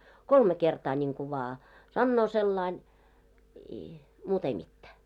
kolme kertaa niin kuin vain sanoo sillä lailla i muuta ei mitään